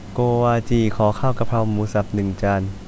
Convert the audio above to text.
โกวาจีขอข้าวกะเพราหมูสับหนึ่งจาน